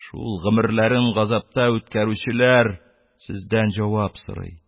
Шул гомерләрен газапта үткәрүчеләр сездән җавап сорый.